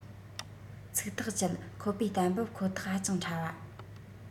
ཚིག ཐག བཅད ཁོ པའི གཏན འབེབས ཁོ ཐག ཧ ཅང ཕྲ བ